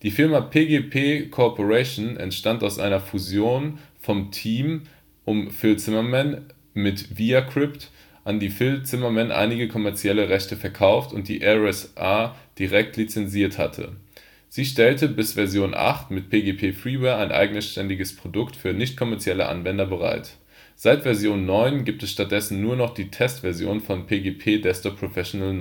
Firma PGP Corporation entstand aus einer Fusion vom Team um Phil Zimmermann mit ViaCrypt, an die Phil Zimmermann einige kommerzielle Rechte verkauft und die RSA direkt lizenziert hatte. Sie stellte bis Version 8 mit PGP Freeware ein eigenständiges Produkt für nichtkommerzielle Anwender bereit. Seit Version 9 gibt es stattdessen nur noch die Testversion von PGP Desktop Professional